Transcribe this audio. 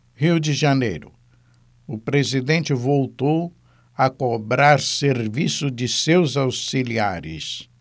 rio de janeiro o presidente voltou a cobrar serviço de seus auxiliares